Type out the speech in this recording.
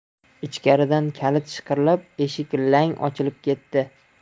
ichkaridan kalit shiqirlab eshik lang ochilib ketdi